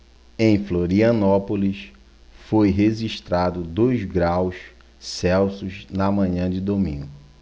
em florianópolis foi registrado dois graus celsius na manhã de domingo